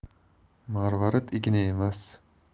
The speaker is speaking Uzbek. marvarid igna emas